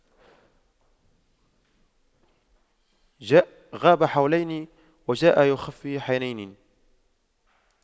غاب حولين وجاء بِخُفَّيْ حنين